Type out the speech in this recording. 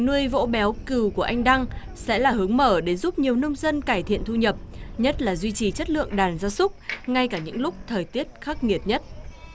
nuôi vỗ béo cừu của anh đăng sẽ là hướng mở để giúp nhiều nông dân cải thiện thu nhập nhất là duy trì chất lượng đàn gia súc ngay cả những lúc thời tiết khắc nghiệt nhất